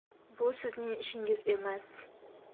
bu sizning ishingiz emas